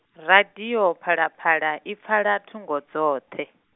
radio, Phalaphala ipfala thungo dzoṱhe.